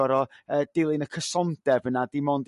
gor'o' yrr dilyn y cysondeb yn dim ond